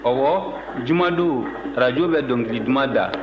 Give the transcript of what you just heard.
ɔwɔ jumadon arajo bɛ dɔnkili duman da